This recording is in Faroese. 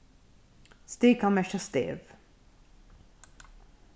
stig kann merkja stev